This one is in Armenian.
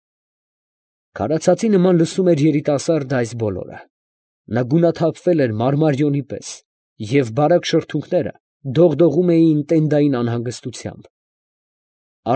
Քարացածի նման լսում էր երիտասարդը այս բոլորը. նա գունաթափվել էր մարմարիոնի պես, և բարակ շրթունքները դողդողում էին տենդային անհանգստությամբ։